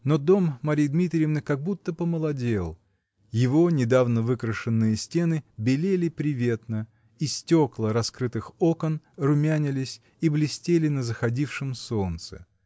но дом Марьи Дмитриевны как будто помолодел: его недавно выкрашенные стены белели приветно, и стекла раскрытых окон румянились и блестели на заходившем солнце